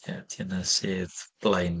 Ie, ti yn y sedd blaen.